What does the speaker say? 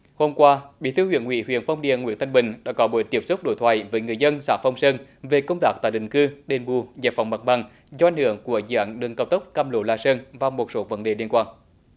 hôm qua bí thư huyện ủy huyện phong điền nguyễn thanh bình đã có buổi tiếp xúc đối thoại với người dân xã phong sơn về công tác tại định cư đền bù giải phóng mặt bằng do ảnh hưởng của dự án đường cao tốc cam lộ la sơn và một số vấn đề liên quan